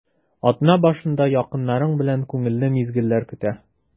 Атна башында якыннарың белән күңелле мизгелләр көтә.